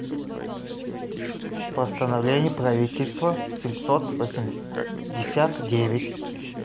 постановление правительства семьсот восемьдесят девять